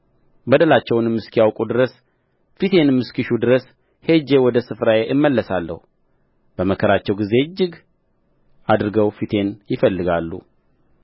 በደላቸውንም እስኪያውቁ ድረስ ፊቴንም እስኪሹ ድረስ ሄጄ ወደ ስፍራዬ እመለሳለሁ በመከራቸው ጊዜ እጅግ አድርገው ፊቴን ይፈልጋሉ